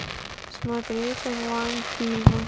смотреть онлайн фильмы